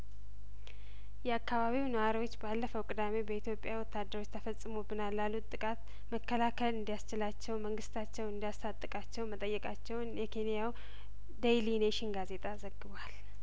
የአካባቢው ነዋሪዎች ባለፈው ቅዳሜ በኢትዮጵያ ወታደሮች ተፈጽሞ ብናል ላሉት ጥቃት መከላከል እንዲ ያስችላቸው መንግስታቸው እንዲያስታጥቃቸው መጠየቃቸውን የኬንያው ዴይሊኔሽን ጋዜጣ ዘግቧል